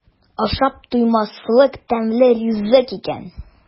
Ашап туймаслык тәмле ризык икән.